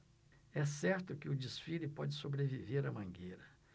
é certo que o desfile pode sobreviver à mangueira